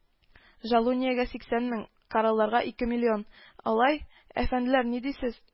- жалуниягә сиксән мең, коралларга ике миллион, - алай!,, - әфәнделәр, ни дисез